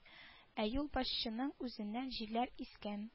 Ә юлбашчының үзеннән җилләр искән